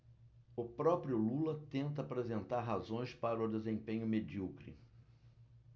o próprio lula tenta apresentar razões para o desempenho medíocre